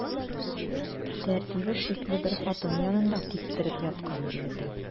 Тәртибе шикле бер хатын янында типтереп яткан егетең.